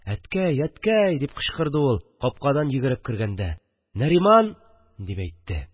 – әткәй, әткәй, – дип кычкырды ул капкадан йөгереп кергәндә, – нариман ... дип әйтте